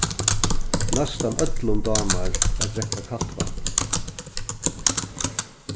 næstan øllum dámar at drekka kalt vatn